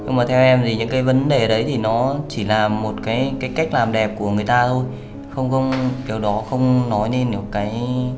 nhưng mà theo em thì những cái vấn đề đấy thì nó chỉ là một cái cái cách làm đẹp của người ta thôi không không cái đó không nói nên được cái